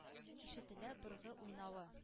Ишетелә быргы уйнавы.